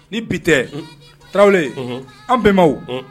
Ni bi tɛ tarawele an bɛnbaw